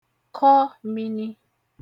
kọ mīnī